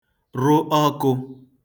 rụ ọkụ